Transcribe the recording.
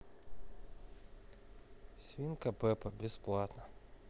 свинка пеппа бесплатно